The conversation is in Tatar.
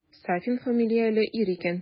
Сафин фамилияле ир икән.